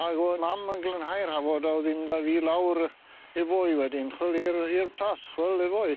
Ag o'dd mam yn glanhau'r hafod a o'dd 'i'n mynd â fi lawr efo 'i wedyn. Ch'wel i'r i'r plas ch'wel efo 'i.